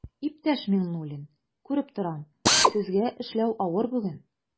Иптәш Миңнуллин, күреп торам, сезгә эшләү авыр бүген.